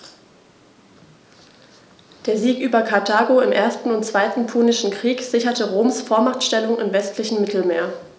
Der Sieg über Karthago im 1. und 2. Punischen Krieg sicherte Roms Vormachtstellung im westlichen Mittelmeer.